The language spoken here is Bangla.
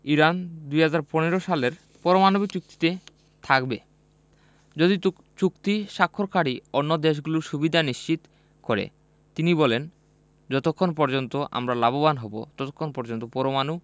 ইরান ২০১৫ সালের পারমাণবিক চুক্তিতে থাকবে যদি চুক চুক্তি স্বাক্ষরকারী অন্য দেশগুলো সুবিধা নিশ্চিত করে তিনি বলেন যতক্ষণ পর্যন্ত আমরা লাভবান হব ততক্ষণ পর্যন্ত পরমাণু